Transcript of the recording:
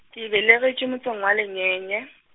ke belegetšwe motseng wa le nyenye.